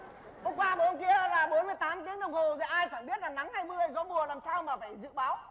hôm qua và hôm kia là bốn mươi tám tiếng đồng hồ thì ai chẳng biết là nắng hay mưa gió mùa làm sao mà phải dự báo